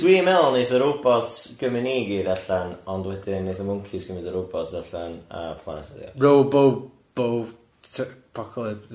Dwi'n meddwl neith y robot gymyd ni gyd allan ond wedyn neith y mwncis gymyd y robot allan a planet ydi o. Robobo- t- apocalypse.